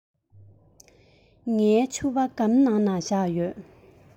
ངའི ཕྱུ པ སྒམ ནང ལ བཞག ཡོད